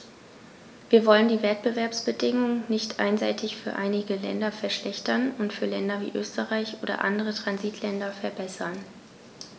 Wir wollen die Wettbewerbsbedingungen nicht einseitig für einige Länder verschlechtern und für Länder wie Österreich oder andere Transitländer verbessern.